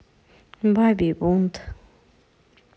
бабий бунт